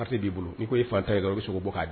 B'i bolo n'i ko i ye fantan ye i bɛ sin k'o bɔ